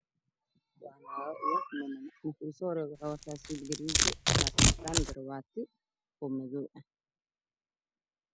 Waa naago io niman kan usoo horeeto wuxuu wataa suud gariin ah shaati cadaan ah garwaati oo madow ah